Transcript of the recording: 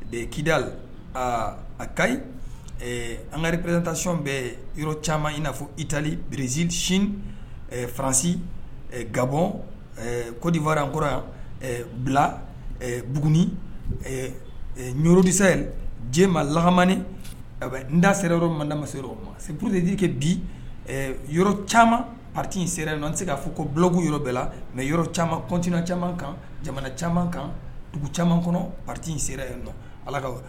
Kida a ka ankarirepretatiɔn bɛ yɔrɔ caman ina fɔ itali bereereziri sini faransi gab kodifa kɔrɔ yan bila bugun yɔrɔdisa diɲɛ ma lahamani n da sera yɔrɔ manda ma seyɔrɔ ma se ptedike bi yɔrɔ caman pati in sera yen nɔ n se k'a fɔ ko bolokolɔ yɔrɔ bɛɛ la mɛ yɔrɔ caman kɔntan caman kan jamana caman kan dugu caman kɔnɔ pati in sera yen ala'aw